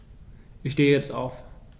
Ich stehe jetzt auf.